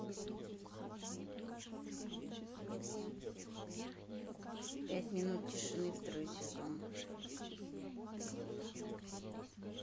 пять минут тишины второй сезон